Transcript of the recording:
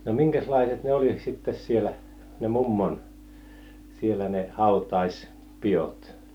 no minkäslaiset ne oli sitten siellä ne mummon siellä ne hautajaispidot